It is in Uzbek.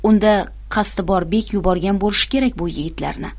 unda qasdi bor bek yuborgan bo'lishi kerak bu yigitlarni